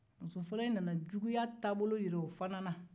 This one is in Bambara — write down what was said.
musofɔlɔ in nana juguya taabolo jira o fana na